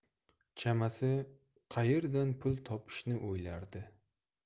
chamasi qayerdan pul topishni o'ylardi